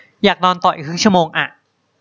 อยากนอนต่ออีกครึ่งชั่วโมงอะ